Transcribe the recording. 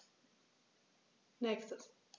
Nächstes.